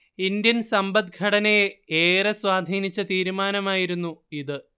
Indian സമ്പദ്ഘടനയെ ഏറെ സ്വാധീനിച്ച തീരുമാനമായിരുന്നു ഇത്